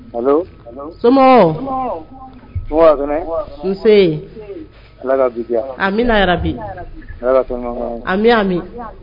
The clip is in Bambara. Allo , somɔgɔw? somɔgɔw ka kɛnɛ? nse, Ala ka bi diya, amina yarabi, Ala ka sababu ɲuman k'an ye, amin amin